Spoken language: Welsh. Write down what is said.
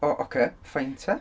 O ocei, fine 'ta.